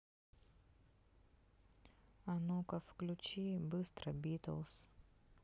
а ну ка включи быстро битлз